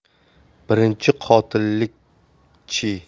birinchi qotillik chi